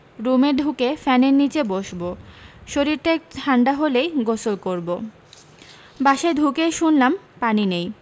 রুমে ঢুকে ফ্যানের নীচে বসব শরীরটা একটু ঠান্ডা হলেই গোসল করবো বাসায় ঠুকেই শুনলাম পানি নেই